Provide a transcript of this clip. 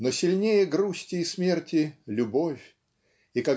но сильнее грусти и смерти любовь и